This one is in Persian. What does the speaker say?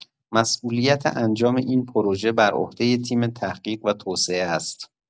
مسئولیت انجام این پروژه برعهده تیم تحقیق و توسعه است.